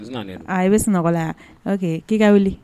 I bɛ sunɔgɔ yan k'i ka wuli